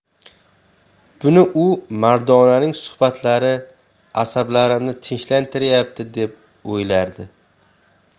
buni u mardonaning suhbatlari asablarimni tinchlantiryapti deb o'yladi